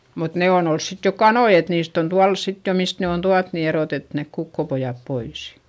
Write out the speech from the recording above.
mutta ne on ollut sitten jo kanoja että niistä on tuolla sitten jo mistä ne on tuotu niin erotettu ne kukkopojat pois